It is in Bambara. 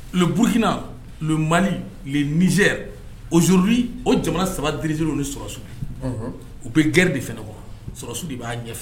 Buru hinɛina ma ze ozouru o jamana saba d rizw ni sɔso u bɛ gɛrɛ de fɛ ɲɔgɔn sɔso b'a ɲɛfɛ